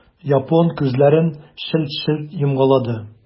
Япон күзләрен челт-челт йомгалады.